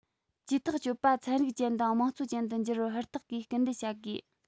ཇུས ཐག གཅོད པ ཚན རིག ཅན དང དམངས གཙོ ཅན དུ འགྱུར བར ཧུར ཐག གིས སྐུལ འདེད བྱ དགོས